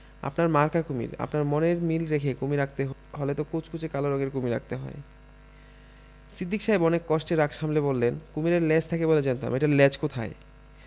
আপনার মার্কা কুমীর আপনার মনের মিল রেখে কুমীর আঁকতে হলে তো কুচকুচে কালো রঙের কুমীর আঁকতে হয় সিদ্দিক সাহেব অনেক কষ্টে রাগ সামলে বললেন কুমীরের লেজ থাকে বলে জানতাম এটার লেজ কোথায়